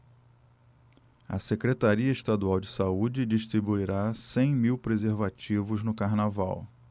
a secretaria estadual de saúde distribuirá cem mil preservativos no carnaval